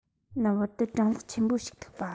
ལམ བར དུ གྲང ལྷགས ཆེན པོ ཞིག ཐུག པ